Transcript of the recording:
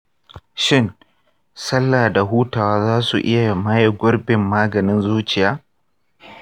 shin, sallah da hutawa za su iya maye gurbin maganin zuciya?